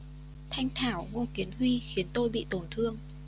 thanh thảo ngô kiến huy khiến tôi bị tổn thương